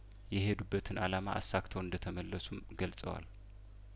የሄዱበትን አላማ አሳክ ተው እንደተመለሱም ገልጸዋል